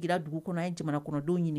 Dugu kɔnɔ ye jamana kɔnɔdenw ɲini